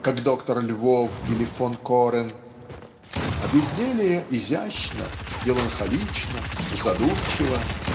как доктор Львов или фон Кореи а безделие изящно меланхолично задумчиво